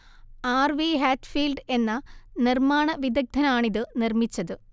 R V Hatfield എന്ന നിർമ്മാണ വിദഗ്‌ധനാണിത് നിർമ്മിച്ചത്